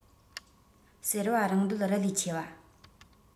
ཟེར བ རང འདོད རི ལས ཆེ བ